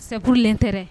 Seururilen tɛɛrɛ